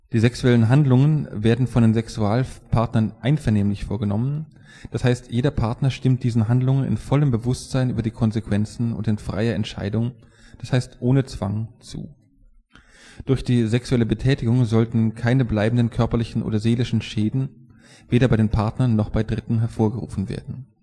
Die sexuellen Handlungen werden von den Sexualpartnern einvernehmlich vorgenommen, das heißt, jeder Partner stimmt diesen Handlungen in vollem Bewusstsein über die Konsequenzen und in freier Entscheidung - das heißt: ohne Zwang - zu. Durch die sexuelle Betätigung sollten keine bleibenden körperlichen oder seelischen Schäden weder bei den Partnern noch bei Dritten hervorgerufen werden